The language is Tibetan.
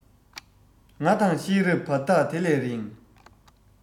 ང དང ཤེས རབ བར ཐག དེ ལས རིང